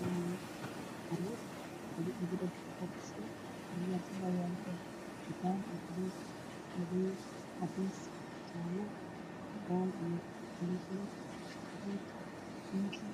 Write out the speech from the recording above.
Waa meel fashion ah waxaa lagu iibinayaa dhar niman ka oo fanaanado ah oo suran derbiyada